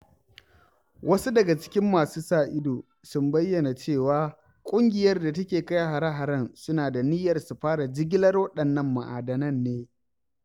Wasu daga cikin masu sa ido sun bayyana cewa ƙungiyar da take kai hare-haren suna da niyyar su fara jigilar waɗannan ma'adanan ne.